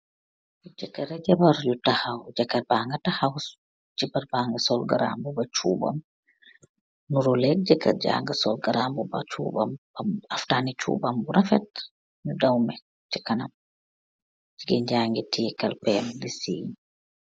Jekarr ak jabar yu taxaw jekarr ba nga taxaw jabar bagi sool grabuba choop baam ndroruleh jekarr jagi sool garabuba choop paam haftani choop paam bu refet dawmeh si kanam jigeen jagi teyeh kalpeh di seeng.